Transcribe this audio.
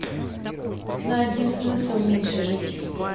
на один смысл меньше жить